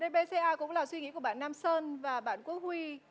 đê bê xê a cũng là suy nghĩ của bạn nam sơn và bản quốc huy